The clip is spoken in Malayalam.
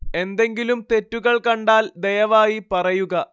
എന്തെങ്കിലും തെറ്റുകള്‍ കണ്ടാല്‍ ദയവായി പറയുക